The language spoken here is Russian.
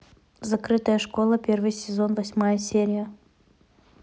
закрытая школа первый сезон восьмая серия